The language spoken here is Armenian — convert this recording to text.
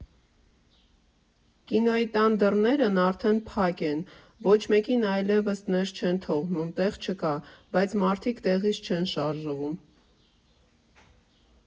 Կինոյի տան դռներն արդեն փակ են, ոչ մեկին այլևս ներս չեն թողնում, տեղ չկա, բայց մարդիկ տեղից չեն շարժվում։